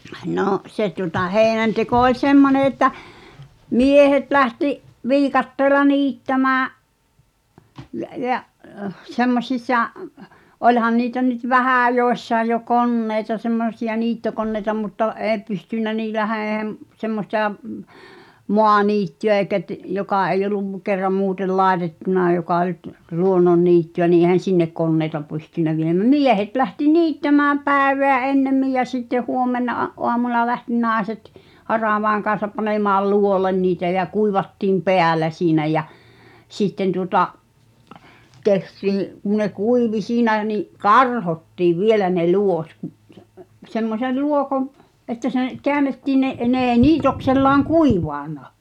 no se tuota heinänteko oli semmoinen että miehet lähti viikatteella niittämään ja ja semmoisissa olihan niitä nyt vähän joissain jo koneita semmoisia niittokoneita mutta ei pystynyt niillähän ei - semmoista - maaniittyä eikä - joka ei ollut kerran muuten laitettuna joka oli - luonnonniittyä niin eihän sinne koneita pystynyt - miehet lähti niittämään päivää ennemmin ja sitten huomenna aamuna lähti naiset haravan kanssa panemaan luo'olle niitä ja kuivattiin päällä siinä ja sitten tuota tehtiin kun ne kuivui siinä niin karhottiin vielä ne luot kun se semmoisen luo'on että se käännettiin ne ne ei niitoksellaan kuivanut